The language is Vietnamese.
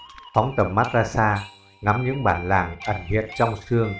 phóng tầm mắt ra xa ngắm những bản làng ẩn hiện trong sương